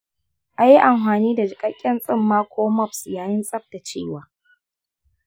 a yi amfani da jiƙaƙƙen tsumma ko mops yayin tsaftacewa.